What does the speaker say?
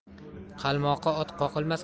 qalmoqi ot qoqilmas